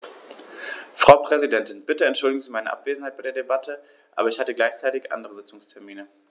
Frau Präsidentin, bitte entschuldigen Sie meine Abwesenheit bei der Debatte, aber ich hatte gleichzeitig andere Sitzungstermine.